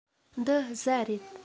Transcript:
འདི ཟྭ རེད